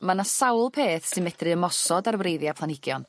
ma' 'na sawl peth sy'n medru ymosod ar wreiddia' planhigion